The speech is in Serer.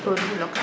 produit locale